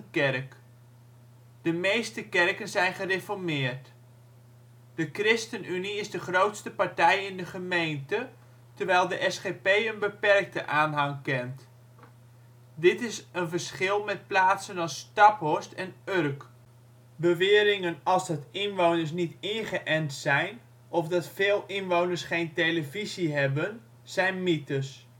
kerk. De meeste kerken zijn gereformeerd. De Christenunie is de grootste partij in de gemeente, terwijl de SGP een beperkte aanhang kent. Dit is een verschil met plaatsen als Staphorst en Urk. Beweringen als dat inwoners niet ingeënt zijn of dat veel inwoners geen televisie hebben, zijn mythes